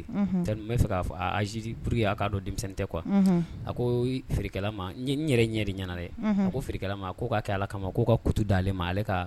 Unhun, c'est à dire n bɛ fɛ ka agir pour que a k'a don deminsɛnni tɛ quoi unhun, a ko feerekɛla ma n yɛrɛ ɲɛ ɲana k'o k'a kɛ allah kama k'o ka kutu di ale k'a